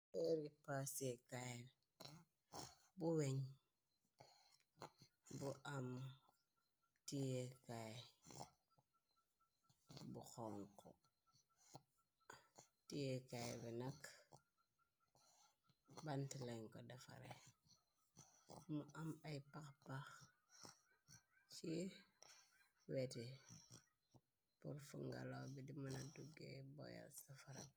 Feeri paseh kai bu wenj bu am tiyee kai bu xonxu tiyee kai bi nak banteu lenj ko defareh mu am ayy pax pax ci weti pur fu ngalaw bi di muna dugeh boyal safara.